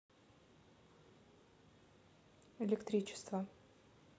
электричество